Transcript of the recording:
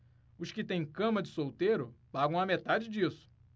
os que têm cama de solteiro pagam a metade disso